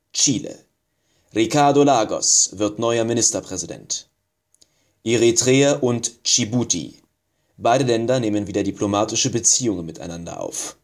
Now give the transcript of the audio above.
Chile: Ricardo Lagos wird neuer Ministerpräsident. Eritrea und Dschibuti: Beide Länder nehmen wieder diplomatische Beziehungen miteinander auf